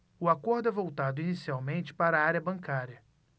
o acordo é voltado inicialmente para a área bancária